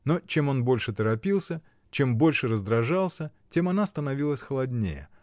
Но чем он больше торопился, чем больше раздражался, тем она становилась холоднее.